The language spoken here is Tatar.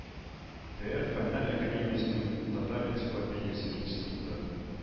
ТээР Фәннәр академиясенең Татар энциклопедиясе институты